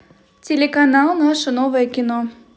телеканал наше новое кино